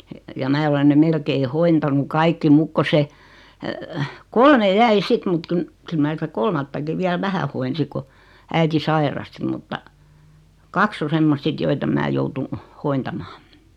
ja minä olen ne melkein hoitanut kaikki mutta kun se kolme jäi sitten mutta kun kyllä minä sitä kolmattakin vielä vähän hoidin kun äiti sairasti mutta kaksi on semmoista sitten joita en minä joutunut hoitamaan